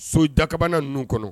So dakaban ninnu kɔnɔ